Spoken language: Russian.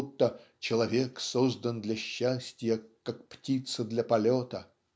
будто "человек создан для счастья как птица для полета".